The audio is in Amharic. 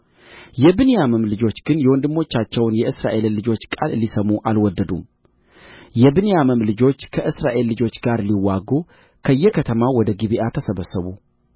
የብንያም ልጆች ግን የወንድሞቻቸውን የእስራኤልን ልጆች ቃል ሊሰሙ አልወደዱም የብንያምም ልጆች ከእስራኤል ልጆች ጋር ሊዋጉ ከየከተማው ወደ ጊብዓ ተሰበሰቡ